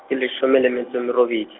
e leshome le metso mme robedi.